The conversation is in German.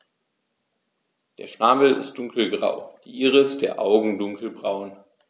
Der Schnabel ist dunkelgrau, die Iris der Augen dunkelbraun.